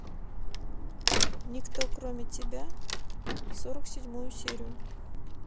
никто кроме тебя сорок седьмую серию